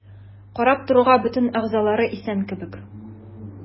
Карап торуга бөтен әгъзалары исән кебек.